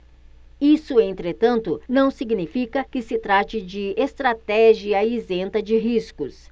isso entretanto não significa que se trate de estratégia isenta de riscos